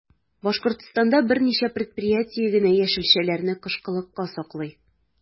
Башкортстанда берничә предприятие генә яшелчәләрне кышкылыкка саклый.